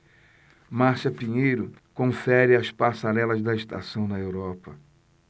márcia pinheiro confere as passarelas da estação na europa